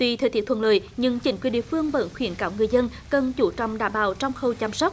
tuy thời tiết thuận lợi nhưng chính quyền địa phương vẫn khuyến cáo người dân cần chú trọng đảm bảo trong khâu chăm sóc